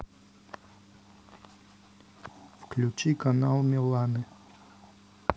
включи канал миланы